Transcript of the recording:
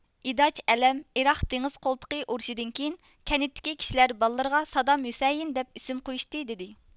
ئىداج ئەلەم ئىراق دېڭىز قولتۇقى ئۇرۇىشىدىن كىيىن كەنىتتىكى كىشىلەر بالىلىرىغا سادام ھۈسەيىن دەپ ئىسىم قويۇشتى دىدى